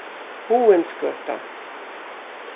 huginsgøta